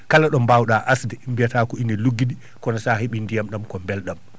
kala ɗo mbawɗa asde biyata ko ene luggiɗi kono sa heeɓi ndiyam ɗam ko belɗam